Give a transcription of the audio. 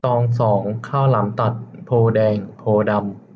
ตองสองข้าวหลามตัดโพธิ์แดงโพธิ์ดำ